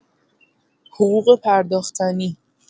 حقوق پرداختنی